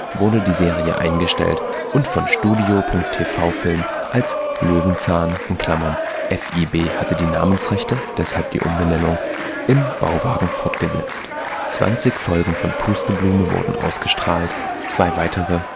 wurde die Serie eingestellt und von studio.tv-film als Löwenzahn (FiB hatte die Namensrechte, deshalb die Umbenennung) im Bauwagen fortgesetzt. 20 Folgen von Pusteblume wurden ausgestrahlt, zwei weitere